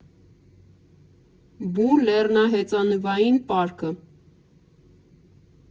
Բու լեռնահեծանվային պարկը։